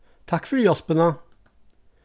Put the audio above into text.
takk fyri hjálpina